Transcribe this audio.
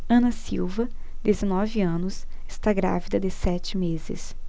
ana silva dezenove anos está grávida de sete meses